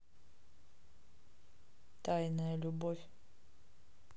тайная любовь